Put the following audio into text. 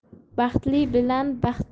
baxtli bilan bahslashma